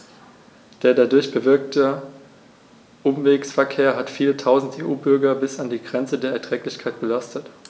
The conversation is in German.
Der dadurch bewirkte Umwegsverkehr hat viele Tausend EU-Bürger bis an die Grenze des Erträglichen belastet.